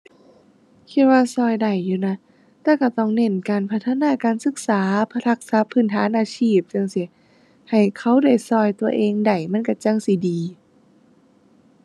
คิดว่าช่วยได้อยู่นะ แต่ช่วยต้องเน้นการพัฒนาการศึกษาเพื่อทักษะพื้นฐานอาชีพจั่งซี้ ให้เขาได้ช่วยตัวเองได้มันช่วยจั่งสิดี